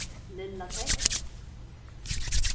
lilla tógv